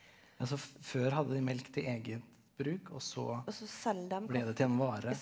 altså før hadde de melk til eget bruk og så ble det til en vare.